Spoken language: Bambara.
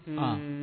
A